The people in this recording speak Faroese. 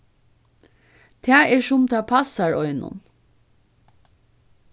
tað er sum tað passar einum